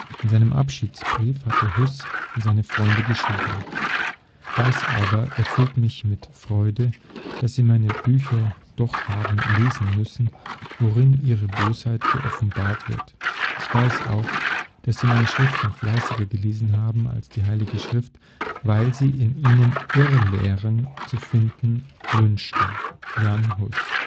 In seinem Abschiedsbrief hatte Hus an seine Freunde geschrieben: „ Das aber erfüllt mich mit Freude, daß sie meine Bücher doch haben lesen müssen, worin ihre Bosheit geoffenbart wird. Ich weiß auch, daß sie meine Schriften fleißiger gelesen haben als die Heilige Schrift, weil sie in ihnen Irrlehren zu finden wünschten. “– Jan Hus